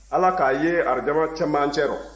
ala k'a ye arijana cɛmancɛ rɔ